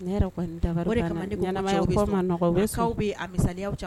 Mi